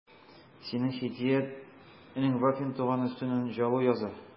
Синең Һидият энең Вафин туганы өстеннән жалу яза...